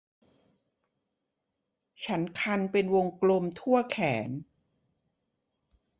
ฉันคันเป็นวงกลมทั่วแขน